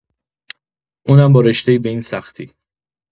اونم با رشته‌ای به این سختی